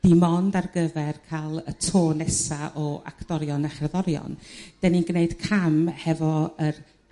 dim ond ar gyfer ca'l y to nesa' o actorion a cherddorion 'dyn ni'n g'neud cam hefo yr